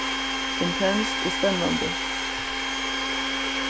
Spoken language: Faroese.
intenst og spennandi